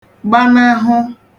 gbanahụ